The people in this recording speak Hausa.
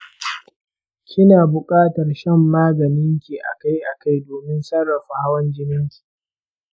kina buƙatar shan maganinki akai-akai domin sarrafa hawan jininki.